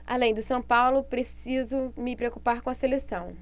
além do são paulo preciso me preocupar com a seleção